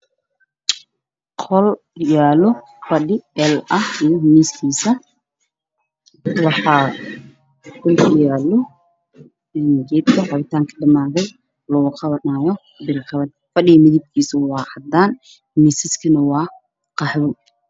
Halkaan waxaa ka muuqdo qol ay ku jiraan fadhi cadaan ah miisas qaxwi ah background iyo dhulkana waa cadaan